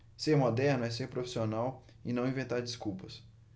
ser moderno é ser profissional e não inventar desculpas